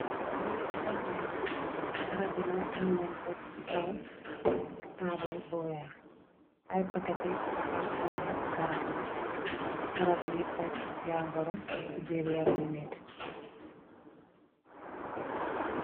leey ay garabla garab i nak ni leen teg ci kaw ktaabal bu weex ay pakate kartoy garab la garab yuy faj jangoro ci biir yarami nit